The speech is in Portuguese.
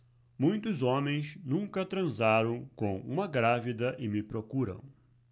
muitos homens nunca transaram com uma grávida e me procuram